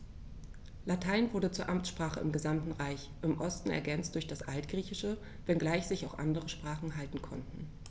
Latein wurde zur Amtssprache im gesamten Reich (im Osten ergänzt durch das Altgriechische), wenngleich sich auch andere Sprachen halten konnten.